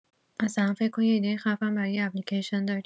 مثلا فکر کن یه ایده خفن برای یه اپلیکیشن داری.